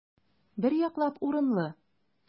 Бер яклап урынлы.